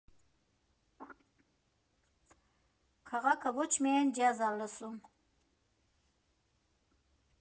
Քաղաքը ոչ միայն ջազ ա լսում։